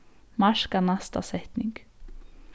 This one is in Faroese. marka næsta setning